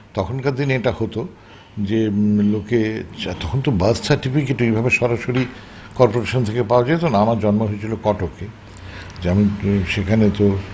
তখনকার দিনে এটা হত যে লোকে তখনতো বার্থ সার্টিফিকেট ওইভাবে সরাসরি কর্পোরেশন থেকে পাওয়া যেত না আমার জন্ম হয়েছিল কটকে যেমন সেখানে তো